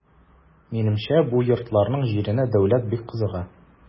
Минемчә бу йортларның җиренә дәүләт бик кызыга.